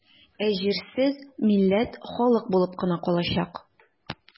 Ә җирсез милләт халык булып кына калачак.